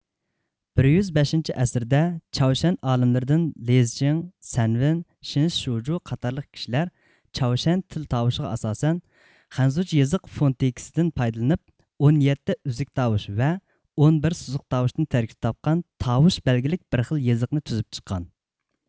بىر يۈز بەشىنچى ئەسىردە چاۋشيەن ئالىملىرىدىن لىزىچىڭ سەنۋىن شىنس شۇجۇ قاتارلىق كىشىلەر چاۋشيەن تىل تاۋۇشىغا ئاساسەن خەنزۇچە يېزىق فونېتىكىسىدىن پايدىلىنىپ ئون يەتتە ئۈزۈك تاۋۇش ۋە ئون بىر سوزۇق تاۋۇشتىن تەركىب تاپقان تاۋۇش بەلگىلىك بىر خىل يېزىقنى تۈزۈپ چىققان